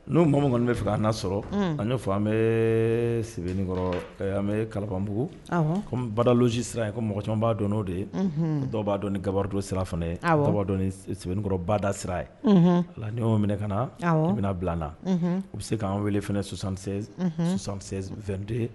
N'o mɔgɔ min kɔni bɛ fɛ a'a sɔrɔ a bɛ sɛbɛninkɔrɔ an bɛ kalabugu ko badalusi sira ye ko mɔgɔjɔn b'a dɔn'o de ye dɔw b'a dɔn ni garudo sira fana ye dɔw sɛbɛnkɔrɔ bada sira ye a''o minɛ ka na u bɛna bila na u bɛ se k'an wele fsan2te